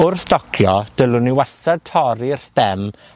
Wrth docio, dylwn ni wastad torri'r stem